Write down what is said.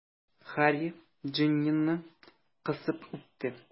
Һарри Джиннины кысып үпте.